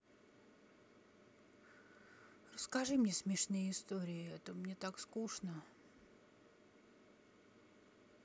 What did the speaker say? расскажи мне смешные истории а то мне так скучно